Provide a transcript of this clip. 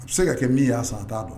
A bɛ se ka kɛ min y'a san n t'a dɔn